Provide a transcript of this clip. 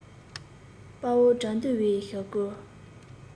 དཔའ བོ དགྲ འདུལ བའི ཞབས བསྐུལ